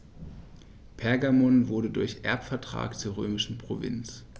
Pergamon wurde durch Erbvertrag zur römischen Provinz.